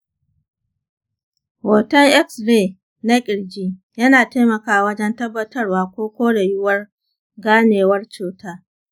hoton x-ray na ƙirji yana taimakawa wajen tabbatarwa ko kore yiwuwar ganewar cuta.